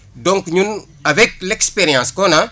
donc ñun avec l' expérience qu' on a